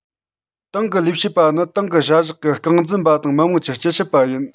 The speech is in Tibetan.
ཏང གི ལས བྱེད པ ནི ཏང གི བྱ གཞག གི རྐང འཛིན པ དང མི དམངས ཀྱི སྤྱི ཞབས པ ཡིན